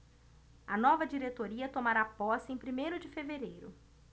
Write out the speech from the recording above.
a nova diretoria tomará posse em primeiro de fevereiro